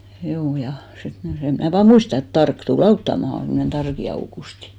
juu ja sitten niin sen minä vain muistan että Tarkki tuli auttamaan semmoinen Tarkin Aukusti